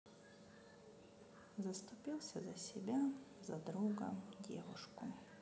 заступился за себя за друга девушку